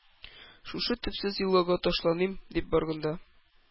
Шушы төпсез елгага ташланыйм дип барганда,